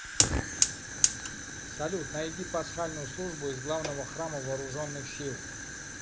салют найди пасхальную службу из главного храма вооруженных сил